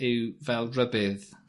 ...yw fel rybudd.